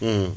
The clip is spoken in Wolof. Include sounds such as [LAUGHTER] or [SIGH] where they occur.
[HESITATION] [HESITATION]